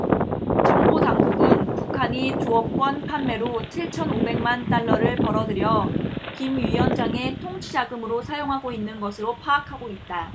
정보당국은 북한이 조업권 판매로 칠천 오백 만 달러를 벌어들여 김 위원장의 통치자금으로 사용하고 있는 것으로 파악하고 있다